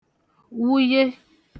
wụye